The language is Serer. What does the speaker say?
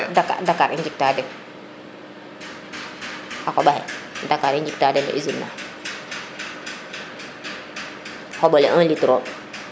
Dackar i njikta den xa qoɓaxe Dackar i njikta den no usine na o xoɓole 1 litre o